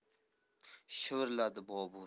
shivirladi bobur